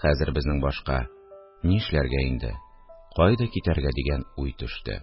Хәзер безнең башка «Нишләргә инде, кайда китәргә?» дигән уй төште